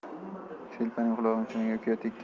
telpagining quloqchinini kuya yegan